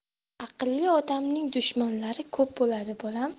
aqlli odamning dushmanlari ko'p bo'ladi bolam